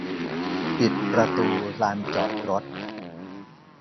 ปิดประตูลานจอดรถ